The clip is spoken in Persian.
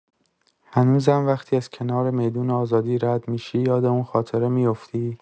هنوزم وقتی از کنار می‌دون آزادی رد می‌شی، یاد اون خاطره می‌افتی؟